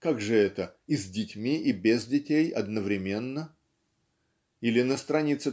как же это - и с детьми, и без детей одновременно?. Или на стр.